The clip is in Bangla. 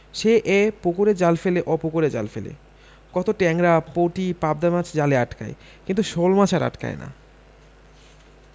সে এ পুকুরে জাল ফেলে ও পুকুরে জাল ফেলে কত টেংরা পুঁটি পাবদা মাছ জালে আটকায় কিন্তু শোলমাছ আর আটকায় না